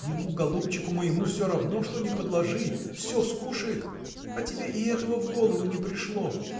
Ему, голубчику моему, все равно, что ни подложи – все скушает. А тебе и этого в голову не пришло?